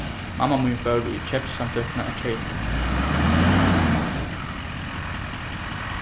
mamma mín fór í keypssamtøkuna at keypa